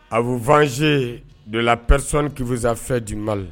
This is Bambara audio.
Abu vzsee dɔ la pɛresi ki fisazsan fɛn di mali